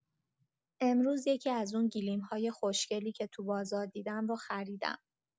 امروز یکی‌از اون گلیم‌های خوشگلی که تو بازار دیدم رو خریدم.